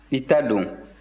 i ta don